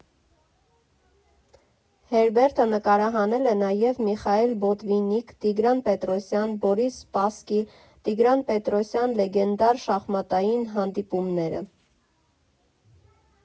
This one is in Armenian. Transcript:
Հերբերտը նկարահանել է նաև Միխայիլ Բոտվիննիկ ֊ Տիգրան Պետրոսյան, Բորիս Սպասկի ֊ Տիգրան Պետրոսյան լեգենդար շախմատային հանդիպումները։